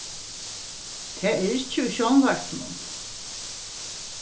tað er ikki í sjónvarpinum